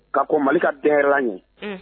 Ka kɔn Mali ka dernier ya ɲɛ